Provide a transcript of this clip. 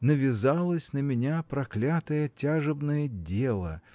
Навязалось на меня проклятое тяжебное дело